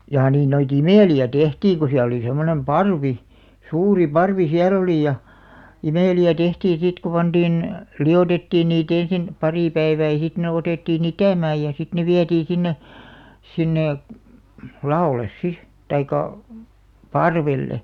jaa niin noita imeliä tehtiin kun siellä oli semmoinen parvi suuri parvi siellä oli ja imeliä tehtiin sitten kun pantiin liotettiin niitä ensin pari päivää ja sitten ne otettiin itämään ja sitten ne vietiin sinne sinne lavolle sitten tai parvelle